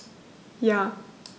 Ja.